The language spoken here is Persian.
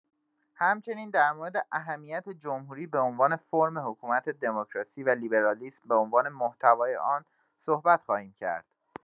همچنین در مورد اهمیت جمهوری به عنوان فرم حکومت دموکراسی و لیبرالیسم به عنوان محتوای آن صحبت خواهیم کرد.